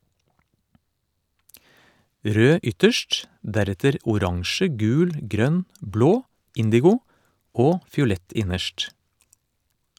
Rød ytterst, deretter oransje, gul, grønn, blå, indigo og fiolett innerst.